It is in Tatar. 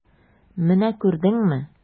Менә күрдеңме!